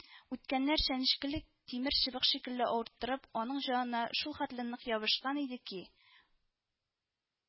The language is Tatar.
Үткәннәр чәнечкеле тимер чыбык шикелле авырттырып аның җанына шул хәтле нык ябышкан иде ки